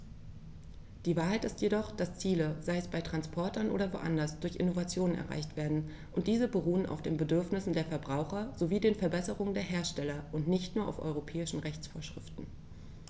Die Wahrheit ist jedoch, dass Ziele, sei es bei Transportern oder woanders, durch Innovationen erreicht werden, und diese beruhen auf den Bedürfnissen der Verbraucher sowie den Verbesserungen der Hersteller und nicht nur auf europäischen Rechtsvorschriften.